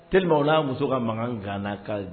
Teli n'a muso ka mankan gan ka